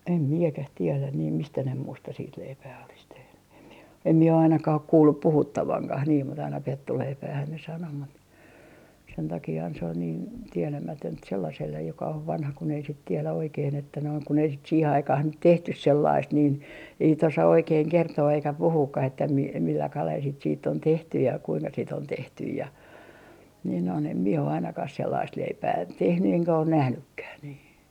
en minäkään tiedä niin mistä ne muusta sitten leipää olisi tehnyt en minä en minä ole ainakaan ole kuullut puhuttavankaan niin mutta aina pettuleipäähän ne sanoi mutta sen takiahan se oli niin tietämätöntä sellaiselle joka on vanha kun ei sitten tiedä oikein että noin kun ei sitten siihen aikaan nyt tehty sellaista niin ei sitten osaa oikein kertoa eikä puhuakaan että - millä kalella sitä sitten on tehty ja kuinka sitä on tehty ja niin on en minä ole ainakaan sellaista leipää tehnyt enkä ole nähnytkään niin